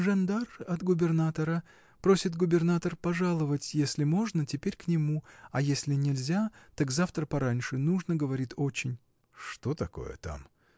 — Жандарм от губернатора: просит губернатор пожаловать, если можно, теперь к нему, а если нельзя, так завтра пораньше: нужно, говорит, очень. — Что такое там?